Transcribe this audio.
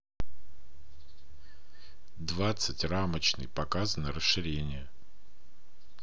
двадцать рамочный показано расширение